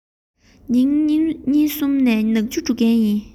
ཉིན གཉིས གསུམ ནས ནག ཆུར འགྲོ གི ཡིན